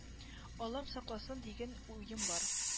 Аллам сакласын дигән уем бар